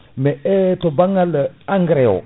mais e to banggal engrais o